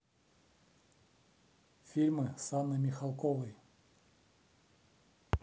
фильмы с анной михалковой